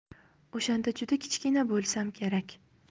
o'shanda juda kichkina bo'lsam kerak